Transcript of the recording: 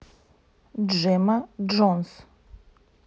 джемма джонс